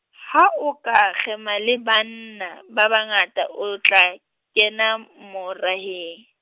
ha o ka kgema le banna, ba bangata o tla kena m-, moraheng.